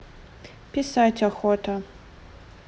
писать охота